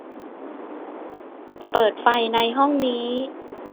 เปิดไฟในห้องนี้